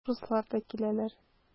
Урыслар да киләләр.